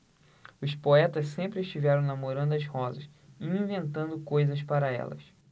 os poetas sempre estiveram namorando as rosas e inventando coisas para elas